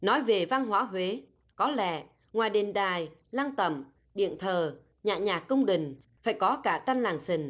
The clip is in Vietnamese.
nói về văn hóa huế có lẽ ngoài đền đài lăng tẩm điện thờ nhã nhạc cung đình phải có cả tranh làng sình